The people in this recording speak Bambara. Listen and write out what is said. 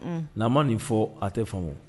N'a ma nin fɔ a tɛ fa